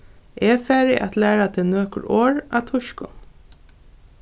eg fari at læra teg nøkur orð á týskum